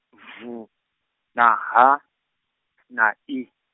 V na H na I.